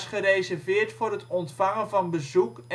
gereserveerd voor het ontvangen van bezoek